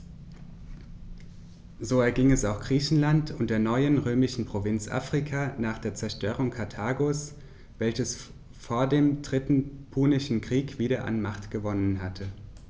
So erging es auch Griechenland und der neuen römischen Provinz Afrika nach der Zerstörung Karthagos, welches vor dem Dritten Punischen Krieg wieder an Macht gewonnen hatte.